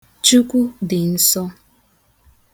Chukwu dị nsọ.